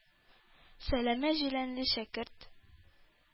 Сәләмә җиләнле шәкерт,